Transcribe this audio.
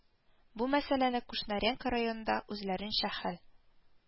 Бу мәсьәләне Кушнаренко районында үзләренчә хәл